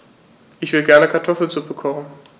Ich will gerne Kartoffelsuppe kochen.